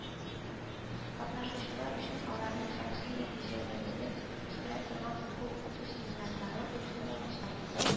Катнашучылар өчен аларның шәхси нәтиҗәлелеген үстерә торган уку-укыту семинарлары оештырылачак